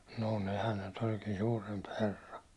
no nehän ne nyt olikin suurempi herra